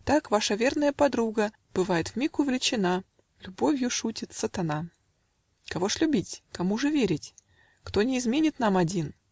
Так ваша верная подруга Бывает вмиг увлечена: Любовью шутит сатана. Кого ж любить? Кому же верить? Кто не изменит нам один?